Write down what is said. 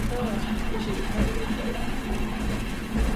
O, nes i 'im ca'l ynny chwaith.